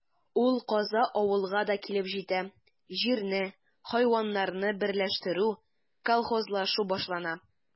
Ул каза авылга да килеп җитә: җирне, хайваннарны берләштерү, колхозлашу башлана.